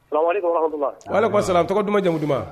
Wala ko siran tɔgɔ duman jamumu duman